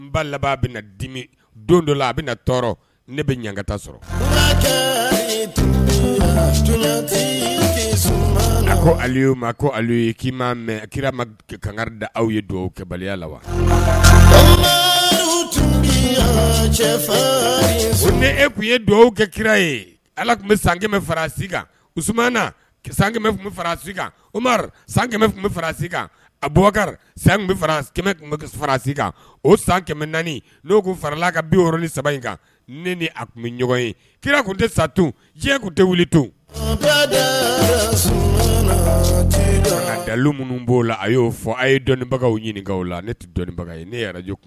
N dɔ a bɛ tɔɔrɔ ne bɛka sɔrɔ a kira kanga da aw ye kɛbaliya la wa ni e tun ye kɛ kira ye ala tun bɛ san kɛmɛ farasi kan san kɛmɛ bɛ farasi kan o san kɛmɛ tun bɛ farasi kan akari san kɛmɛ tun bɛ farasi kan o san kɛmɛ naani n farala ka bi ni saba in kan ne ni tun bɛ ɲɔgɔn kira tun tɛ sa diɲɛ tun tɛ wuli to dalu minnu b'o la a y'o fɔ a ye dɔnnibagaw ɲini la dɔnnibaga ye ne yɛrɛ